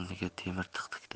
o'rniga temir tiqdikda